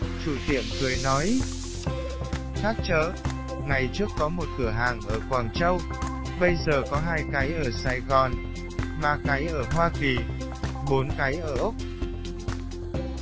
chủ tiệm khác chớ ngày trước có một cửa hàng ở quảng châu bây giờ có hai cái ở sài gòn ba cái ở hoa kỳ bốn cái ở úc